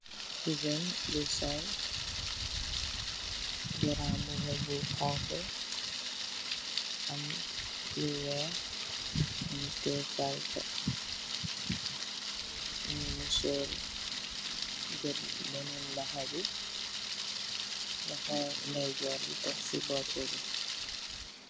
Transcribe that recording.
Jigéen bu sol garambubu bu xonxu am lu weex mu tiyeh xalpe mongi musurr jel beneen loxo bi loxo ndeyejorr tek si mbopabi.